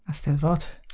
Y Steddfod.